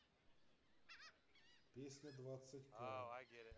песня двадцать к